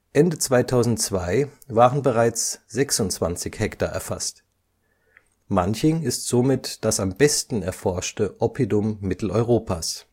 Ende 2002 waren bereits 26 Hektar erfasst. Manching ist somit das am besten erforschte Oppidum Mitteleuropas